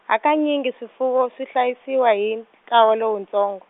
hakanyingi swifuwo swi hlayisiwa hi, ntlawa lowuntsongo.